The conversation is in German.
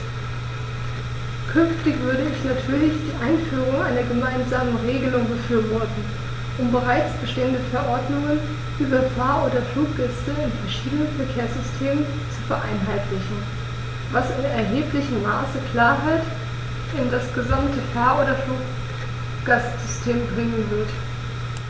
Künftig würde ich natürlich die Einführung einer gemeinsamen Regelung befürworten, um bereits bestehende Verordnungen über Fahr- oder Fluggäste in verschiedenen Verkehrssystemen zu vereinheitlichen, was in erheblichem Maße Klarheit in das gesamte Fahr- oder Fluggastsystem bringen wird.